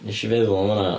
Wnes i feddwl am hwnna...